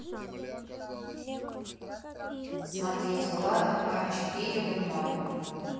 смотреть влада а четыре бумагу